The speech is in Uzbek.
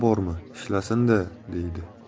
bormi ishlasin da deydi